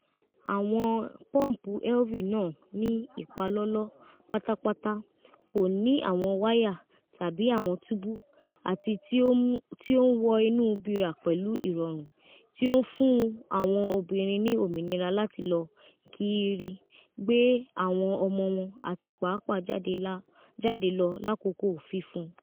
Awọn Pọmpu Elvie naa, ni ipalọlọ patapata, ko ni awọn waya tabi awọn tubu ati ti o n wọ inu bira pẹlu irọrun, ti o n fun awọn obinrin ni ominira lati lọ kiiri, gbe awọn ọmọ wọn, ati paapaa jade lọ lakoko fifun.